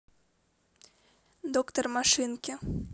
доктор машинки